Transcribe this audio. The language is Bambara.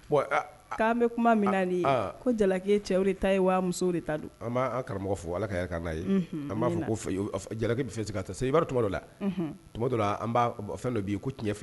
Bon k'an bɛ kuma minli ko jalaki cɛ ta ye wamuso de ta don an b'a karamɔgɔ fɔ ala ka' ka n'a ye an b'a fɔ ko jalaki bɛ fɛn se ka taa se i b'a tuma dɔ la tuma dɔ la b' fɛn dɔ'i ko cɛnfɛ